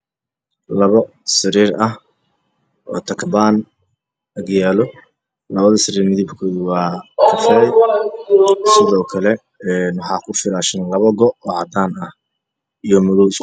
Labo sariir uu dhexdooda yaalla roots waxaa saaran gooyaal cadaani buluuga rogana waa madow qolkii yaalaan oo cadaan